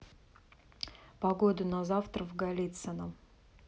погоду на завтра в галицино